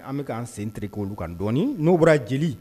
An bɛ ka an sen tereke olu kan dɔɔnin n'o bɔra ye jeli